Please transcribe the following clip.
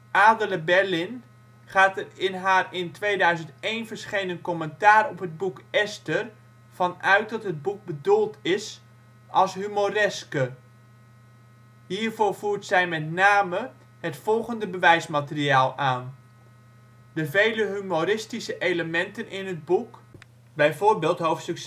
Berlin gaat er in haar in 2001 verschenen commentaar op het boek Esther van uit dat het boek bedoeld is als humoreske. Hiervoor voert zij met name het volgende bewijsmateriaal aan: de vele humoristische elementen in het boek (zie bijvoorbeeld Raddays Esther with Humor) (bijvoorbeeld hoofdstuk